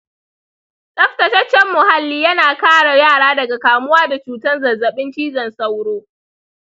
tsaftataccen muhalli yana kare yara daga kamuwa da cutar zazzabin cizon sauro.